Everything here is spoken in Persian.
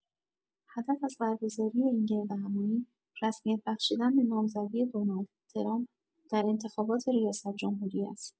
هدف از برگزاری این گردهمایی، رسمیت بخشیدن به نامزدی دونالد ترامپ در انتخابات ریاست‌جمهوری است.